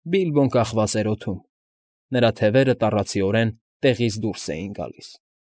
Բիլբոն կախված էր օդում, նրա թևերը տառացիորեն տեղից դուրս էին գալիս։